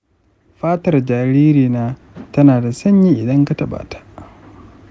fatar jaririna tana da sanyi idan ka taɓa ta.